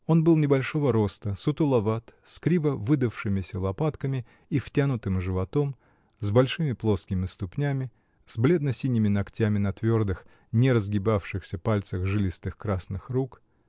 Он был небольшого роста, сутуловат, с криво выдавшимися лопатками и втянутым животом, с большими плоскими ступнями, с бледно-синими ногтями на твердых, не разгибавшихся пальцах жилистых красных рук